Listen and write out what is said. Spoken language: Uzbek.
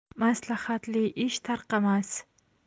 maslahatli ish tarqamas